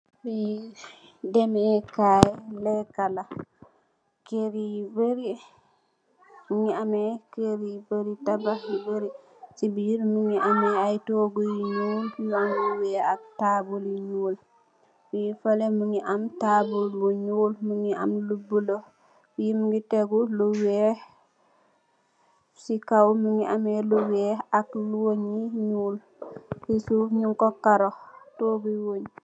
Fii demee kaay leekë la...kër yu Bari ñu ngi amee kër yu bari, tabax yu bari, mu ngi am ay toogu yu ñuul, ak taabul yu ñuul. Fii mu ngi am taabul bu ñuul mu ngi am lu bulo. Fii mu ngi am lu weex, si know mu ngi am lu weex ak lu ñuul.si suuf ñung ko Karo.